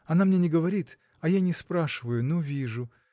Она мне не говорит, а я не спрашиваю, но вижу.